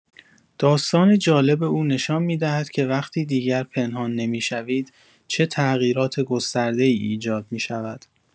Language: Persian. داستان جالب او نشان می‌دهد که وقتی دیگر پنهان نمی‌شوید، چه تغییرات گسترده‌ای ایجاد می‌شود.